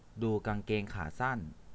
ดูกางเกงขาสั้น